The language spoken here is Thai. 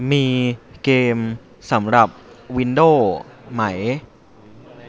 มีเกมสำหรับวินโดวส์ไหม